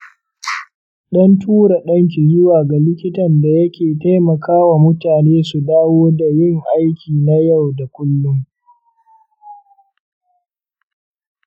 dan tura danki zuwa ga likitan da yake taimakawa mutane su dawo da yin aiki na yau da kullum.